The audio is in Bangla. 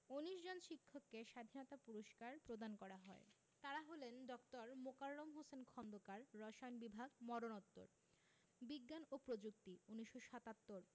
১৯ জন শিক্ষককে স্বাধীনতা পুরস্কার প্রদান করা হয় তাঁরা হলেন ড. মোকাররম হোসেন খন্দকার রসায়ন বিভাগ মরণোত্তর বিজ্ঞান ও প্রযুক্তি ১৯৭৭